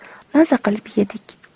maza qilib yedik